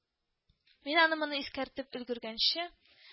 Мин аны-моны искәреп өлгергәнче